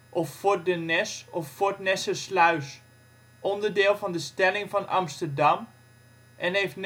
of Fort de Nes of Fort Nessersluis), onderdeel van de Stelling van Amsterdam, en heeft